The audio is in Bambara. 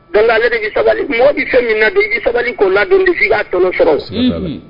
Dɔnku ale de sabali mɔgɔ bɛ fɛ min bɛ sabali la bɛ a tɔn sɔrɔ